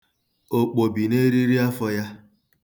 Okpo bi n'eririafọ ya.